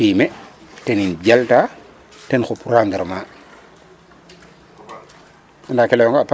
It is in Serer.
Kon fumier ten um jalta ten xupu rendement anda ke layuuma a paax .